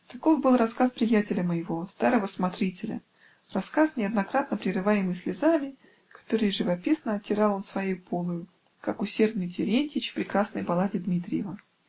" Таков был рассказ приятеля моего, старого смотрителя, рассказ, неоднократно прерываемый слезами, которые живописно отирал он своею полою, как усердный Терентьич в прекрасной балладе Дмитриева.